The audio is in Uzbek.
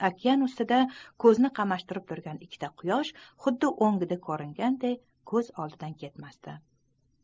okean ustida ko'zni qamashtirib turgan ikkita quyosh xuddi o'ngida ko'ringanday ko'z oldidan ketmas edi